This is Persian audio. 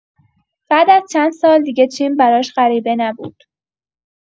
بعد از چند سال، دیگه چین براش غریبه نبود.